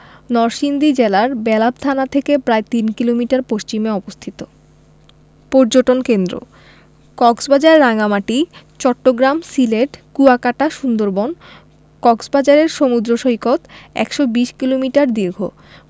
নরসিংদী জেলার বেলাব থানা থেকে প্রায় তিন কিলোমিটার পশ্চিমে অবস্থিত পর্যটন কেন্দ্রঃ কক্সবাজার রাঙ্গামাটি চট্টগ্রাম সিলেট কুয়াকাটা সুন্দরবন কক্সবাজারের সমুদ্র সৈকত ১২০ কিলোমিটার দীর্ঘ